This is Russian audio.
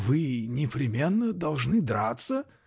-- Вы непременно должны драться?